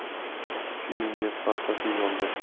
filmga falsafiy yondashgan holda